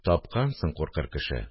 Тапкансың куркыр кеше